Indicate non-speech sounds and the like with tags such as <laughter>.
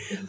<hesitation> <hesitation>